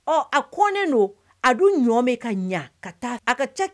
Ɔ a ko don a don ɲɔ bɛ ka ɲɛ ka taa a ka